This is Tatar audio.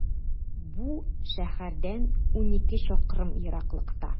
Бу шәһәрдән унике чакрым ераклыкта.